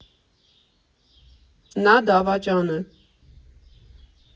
Նա դավաճան է։